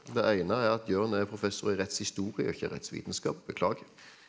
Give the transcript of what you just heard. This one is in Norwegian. det ene er at Jørn er professor i rettshistorie og ikke rettsvitenskap, beklager.